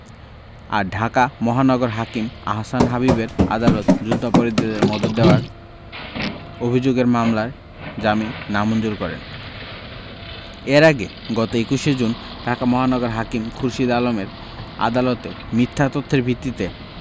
আর ঢাকা মহানগর হাকিম আহসান হাবীবের আদালত যুদ্ধাপরাধীদের মদদ দেওয়ার অভিযোগের মামলায় জামিন নামঞ্জুর করেন এর আগে গত ২১ জুন ঢাকা মহানগর হাকিম খুরশীদ আলমের আদালতে মিথ্যা তথ্যের ভিত্তিতে